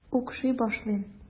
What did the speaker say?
Укшый башлыйм.